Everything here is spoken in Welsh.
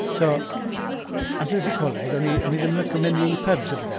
So, amser es i coleg, o'n o'n i ddim yn licio mynd i pubs a pethau.